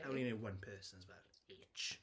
I only knew one person as well - Aitch.